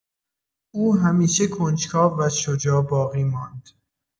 او همیشه کنجکاو و شجاع باقی ماند.